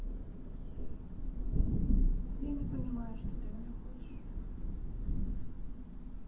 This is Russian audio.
я не понимаю что ты меня хочешь